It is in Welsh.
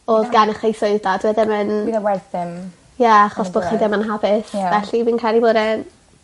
odd gennych chi swydd da dyw e ddim yn... Bydd y waith ddim... Ie achos bo chi dim yn hapus felly fi'n credu bod e'n